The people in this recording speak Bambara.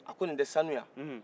a ko ni tɛ sanu ye wa